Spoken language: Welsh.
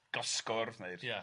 gosgorf neu'r... Ia...